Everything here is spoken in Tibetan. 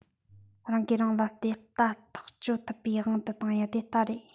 རང གིས རང ལ དེ ལྟ ཐག གཅོད ཐུབ པའི དབང དུ བཏང ཡང དེ ལྟ རེད